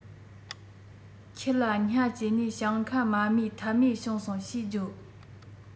ཁྱི ལ གཉའ བཅས ནས ཞིང ཁ མ རྨོས ཐབས མེད བྱུང སོང ཞེས བརྗོད